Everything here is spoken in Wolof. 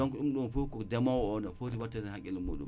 donc